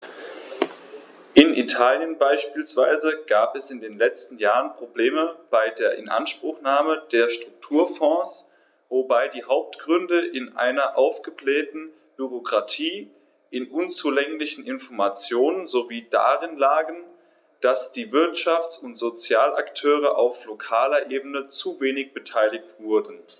In Italien beispielsweise gab es in den letzten Jahren Probleme bei der Inanspruchnahme der Strukturfonds, wobei die Hauptgründe in einer aufgeblähten Bürokratie, in unzulänglichen Informationen sowie darin lagen, dass die Wirtschafts- und Sozialakteure auf lokaler Ebene zu wenig beteiligt wurden.